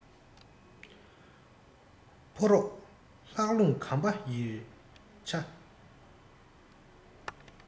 ཕོ རོག ལྷགས རླུང འགམ པ ཡི རེ འཕྱ